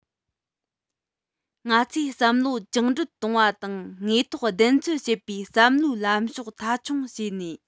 ང ཚོས བསམ བློ བཅིངས འགྲོལ གཏོང བ དང དངོས ཐོག བདེན འཚོལ བྱེད པའི བསམ བློའི ལམ ཕྱོགས མཐའ འཁྱོངས བྱས ན